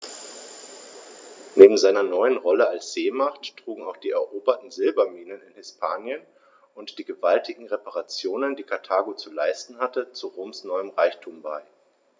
Neben seiner neuen Rolle als Seemacht trugen auch die eroberten Silberminen in Hispanien und die gewaltigen Reparationen, die Karthago zu leisten hatte, zu Roms neuem Reichtum bei.